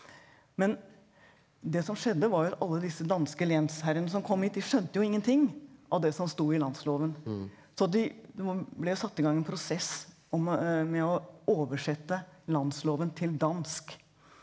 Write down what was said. men det som skjedde var jo at alle disse danske lensherrene som kom hit de skjønte jo ingenting av det som sto i Landsloven så de det ble jo satt i gang en prosess om med å oversette Landsloven til dansk.